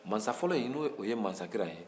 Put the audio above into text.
mansa fɔlɔ in n'o tun ye mansakiran ye